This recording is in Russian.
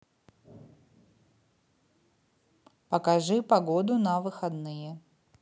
покажи погоду на выходные